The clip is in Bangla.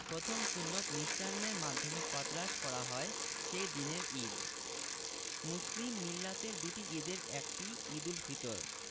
প্রথম সুন্নত মিষ্টান্নের মাধ্যমে প্রাতরাশ গ্রহণ করা হয় সে দিনের ঈদ মুসলিম মিল্লাতের দুটি ঈদের একটি ঈদুল ফিতর